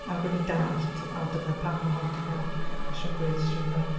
Ac o'n i'n dallt, o dyna pam mae hon 'di cael ffaswin gyhoeddusrwydd.